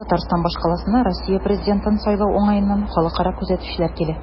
Татарстан башкаласына Россия президентын сайлау уңаеннан халыкара күзәтүчеләр килә.